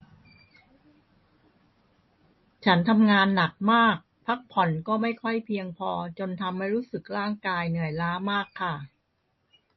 ฉันทำงานหนักมากพักผ่อนก็ไม่ค่อยเพียงพอจนทำให้รู้สึกร่างกายเหนื่อยล้ามากค่ะ